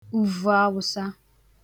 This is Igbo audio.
uvuawụsa